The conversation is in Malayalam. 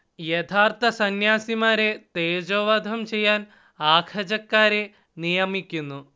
യഥാർത്ഥ സന്യാസിമാരെ തേജോവധം ചെയ്യാൻ ആഖജക്കാരെ നിയമിക്കുന്നു